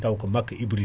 taw ko makka hébride